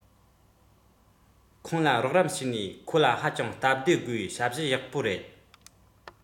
ཁོང ལ རོགས རམ བྱས ནས ཁོ ལ ཧ ཅང སྟབས བདེ སྒོས ཞབས ཞུ ཡག པོ རེད